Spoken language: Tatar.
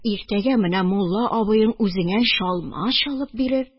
Иртәгә менә мулла абыең үзеңә чалма чалып бирер